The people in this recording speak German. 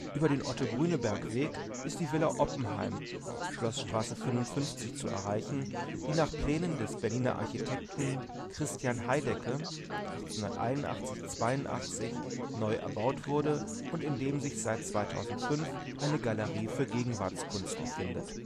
Über den Otto-Grüneberg-Weg ist die Villa Oppenheim (Schloßstraße 55) zu erreichen, die nach Plänen des Berliner Architekten Christian Heidecke 1881 / 82 neu erbaut wurde und in dem sich seit 2005 eine Galerie für Gegenwartskunst befindet